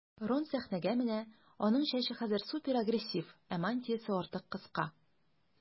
Рон сәхнәгә менә, аның чәче хәзер суперагрессив, ә мантиясе артык кыска.